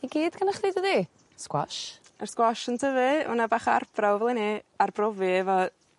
i gyd gynnoch chdi dydi? Squash. Yr squash ynta fe wnna bach o arbrawf eleni arbrofi efo